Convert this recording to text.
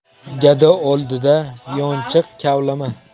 gado oldida yonchiq kavlama